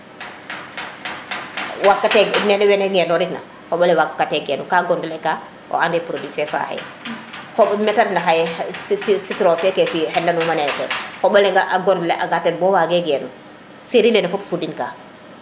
waag kate nene de ngenorit na xoɓole waag kate genu ka goble ka o ande produit fe faaxe xob mete refna xaye citron feke xena numa neke xoɓole a goble a nga teen bo wage genu serie neke fop fudin kaan